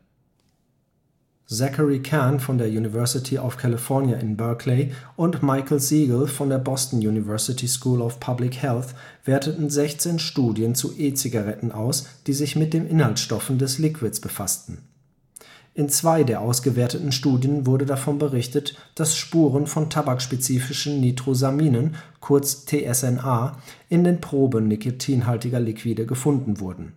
Zachary Cahn von der University of California in Berkeley und Michael Siegel von der Boston University School of Public Health werteten 16 Studien zu E-Zigaretten aus, die sich mit den Inhaltsstoffen des Liquids befassten. In zwei der ausgewerteten Studien wurde davon berichtet, dass Spuren von tabakspezifischen Nitrosaminen (TSNA) in den Proben nikotinhaltiger Liquide gefunden wurden